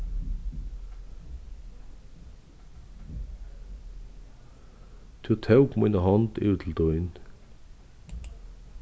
tú tók mína hond yvir til tín